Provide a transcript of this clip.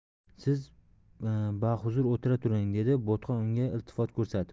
siz bahuzur o'tira turing dedi bo'tqa unga iltifot ko'rsatib